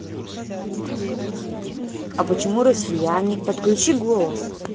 а почему россияне подключи голос